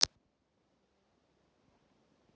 от чего